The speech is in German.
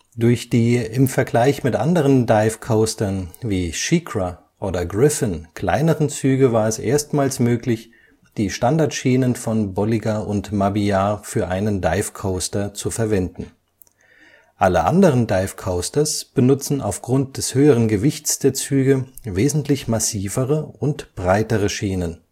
Durch die im Vergleich mit anderen Dive Coastern wie SheiKra oder Griffon kleineren Züge war es erstmals möglich, die Standardschienen von Bolliger & Mabillard für einen Dive Coaster zu verwenden. Alle anderen Dive Coasters benutzen aufgrund des höheren Gewichts der Züge wesentlich massivere und breitere Schienen